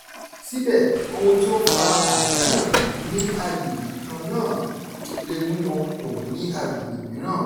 Síbẹ̀, ohun tí ó ń fa àdánù ní agbègbè kan náà lè mú wọn pọ̀ ní agbègbè mìíràn.